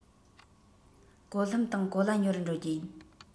གོ ལྷམ དང གོ ལྭ ཉོ རུ འགྲོ རྒྱུ ཡིན